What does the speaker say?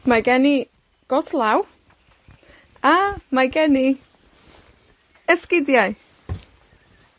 Mae gen i got law, a mae gen i, esgidiau.